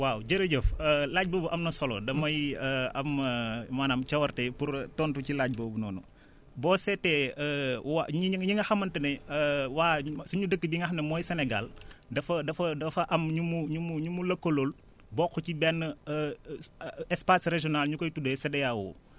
waaw jërëjëf laaj boobu am na solo damay am maanaam cawarte pour tontu ci laaj boobu noonu boo seetee wa ñi ñi nga xamante ne waa suñu dëkk bi nga xam ne mooy Sénégal dafa dafa dafa am ñu mu ñu mu ñu mu lëkkalool bokk ci benn espace réginale ñu koy tuddee CEDEA